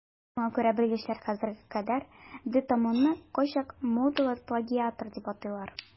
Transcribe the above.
Шуңа күрә белгечләр хәзергә кадәр де Томонны кайчак модалы плагиатор дип атыйлар.